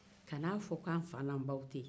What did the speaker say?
kana fo ko an fa ni anw baw tɛ yen